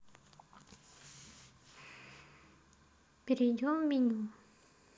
перейдем в меню